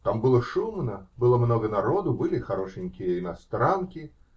Там было шумно, было много народу, были хорошенькие иностранки